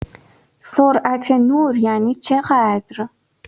سرعت نور یعنی چقدر؟